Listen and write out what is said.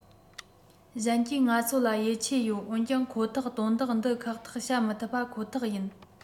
གཞན གྱིས ང ཚོ ལ ཡིད ཆེས ཡོད འོན ཀྱང ཁོ ཐག དོན དག འདི ཁག ཐེག བྱ མི ཐུབ པ ཁོ ཐག ཡིན